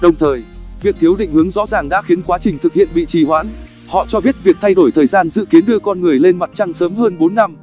đồng thời việc thiếu định hướng rõ ràng đã khiến quá trình thực hiện bị trì hoãn họ cho biết việc thay đổi thời gian dự kiến đưa con người lên mặt trăng sớm hơn năm khiến nasa không trở tay kịp